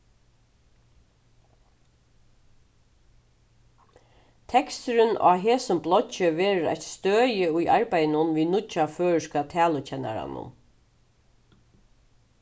teksturin á hesum bloggi verður eitt støði í arbeiðinum við nýggja føroyska talukennaranum